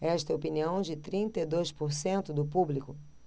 esta é a opinião de trinta e dois por cento do público